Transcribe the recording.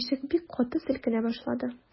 Ишек бик каты селкенә башлады.